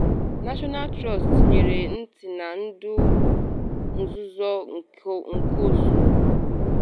National Trust tinyere ntị na ndụ nzuzo nke ụsụ